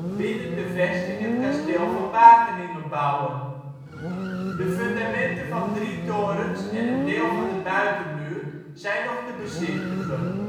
binnen de vesting het kasteel van Wageningen bouwen. De fundamenten van drie torens en een deel van de buitenmuur zijn nog te bezichtigen